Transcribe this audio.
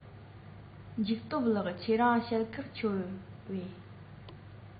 འཇིགས སྟོབས ལགས ཁྱེད རང ཞལ ལག མཆོད པས